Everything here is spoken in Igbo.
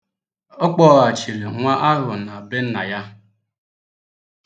Ọ kpoghachịrị nwa ahụ azụ na-be nna ya.